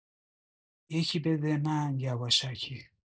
یکی بده من یواشکی